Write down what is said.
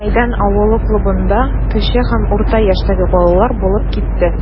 Мәйдан авылы клубында кече һәм урта яшьтәге балалар булып китте.